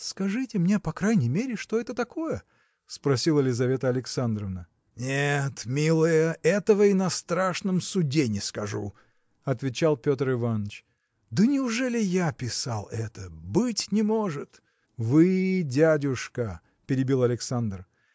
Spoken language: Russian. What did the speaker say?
– Скажите мне, по крайней мере, что это такое? – спросила Лизавета Александровна. – Нет милая этого и на Страшном суде не скажу – отвечал Петр Иваныч. – Да неужели я писал это? Быть не может. – Вы, дядюшка! – перебил Александр.